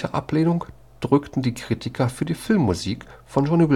Ablehnung drückten die Kritiker für die Filmmusik von